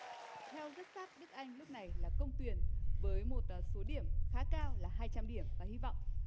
theo rất sát đức anh lúc này là công tuyền với một số điểm khá cao là hai trăm điểm và hy vọng